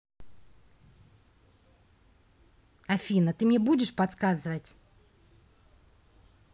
афина ты мне будешь подсказывать